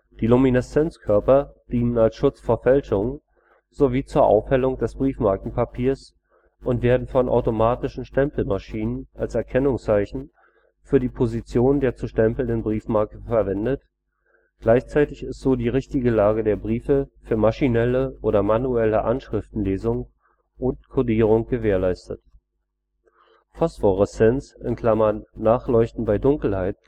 Die Lumineszenzkörper dienen als Schutz vor Fälschungen sowie zur Aufhellung des Briefmarkenpapiers und werden von automatischen Stempelmaschinen als Erkennungszeichen für die Position der zu stempelnden Briefmarke verwendet, gleichzeitig ist so die richtige Lage der Briefe für maschinelle oder manuelle Anschriftenlesung und Codierung gewährleistet. Phosphoreszenz (Nachleuchten bei Dunkelheit